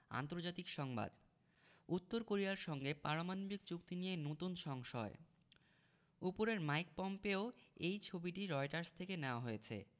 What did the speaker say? আন্তর্জাতিক সংবাদ উত্তর কোরিয়ার সঙ্গে পারমাণবিক চুক্তি নিয়ে নতুন সংশয় উপরের মাইক পম্পেও এর ছবিটি রয়টার্স থেকে নেয়া হয়েছে